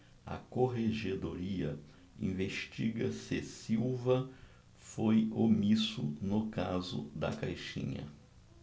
a corregedoria investiga se silva foi omisso no caso da caixinha